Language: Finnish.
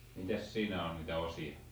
mitäs siinä on niitä osia